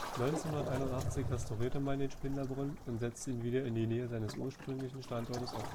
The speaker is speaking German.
1981 restaurierte man den Spindlerbrunnen und setzte ihn wieder in die Nähe seines ursprünglichen Standortes auf